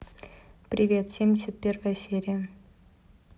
привет семьдесят первая серия